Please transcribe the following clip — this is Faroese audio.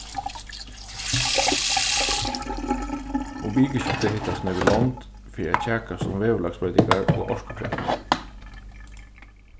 um vikuskiftið hittast nøkur lond fyri at kjakast um veðurlagsbroytingar og orkukreppuna